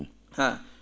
haa